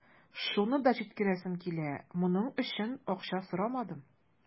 Шуны да җиткерәсем килә: моның өчен акча сорамадым.